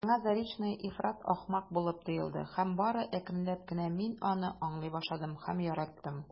Миңа Заречная ифрат ахмак булып тоелды һәм бары әкренләп кенә мин аны аңлый башладым һәм яраттым.